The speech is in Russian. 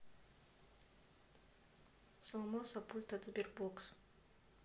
сломался пульт от sberbox